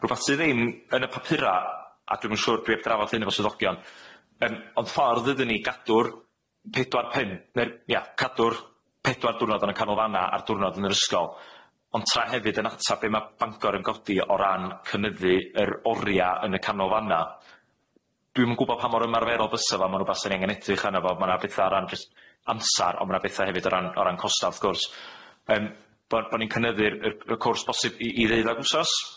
Rwbath sydd ddim yn y papura a dwi'm yn siŵr dwi heb drafod hyn efo swyddogion yym ond ffordd iddyn ni gadw'r pedwar pen ne'r ia cadw'r pedwar dwrnod yn y canolfanna a'r diwrnod yn yr ysgol ond tra hefyd yn atab be' ma' Bangor yn godi o ran cynyddu yr oria yn y canolfanna. Dwi'm yn gwbo pa mor ymarferol fysa fo ma'n rwbath 'sa ni angen edrych arno fo ma' 'na betha o ran jys amsar on' ma' 'na betha hefyd o ran o ran costa wrth gwrs yym bo- bo ni'n cynyddu'r yy y cwrs posib i i ddeuddag wsos?